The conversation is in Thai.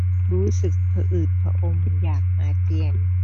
รู้สึกพะอืดพะอมอยากอาเจียน